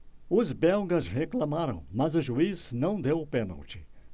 os belgas reclamaram mas o juiz não deu o pênalti